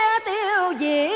nhân kia